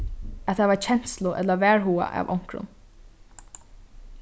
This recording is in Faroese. at hava kenslu ella varhuga av onkrum